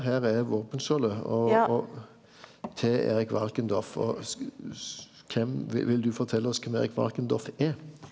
her er våpenskjoldet og og til Erik Valkendorf og kven vil du fortelje oss kven Erik Valkendorf er?